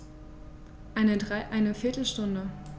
Eine viertel Stunde